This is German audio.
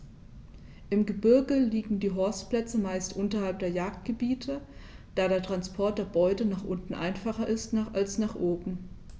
Im Gebirge liegen die Horstplätze meist unterhalb der Jagdgebiete, da der Transport der Beute nach unten einfacher ist als nach oben.